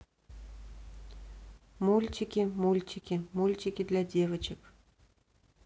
мультики мультики мультики для девочек